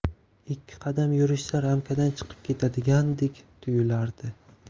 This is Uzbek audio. ikki qadam yurishsa ramkadan chiqib ketadigandek tuyulardi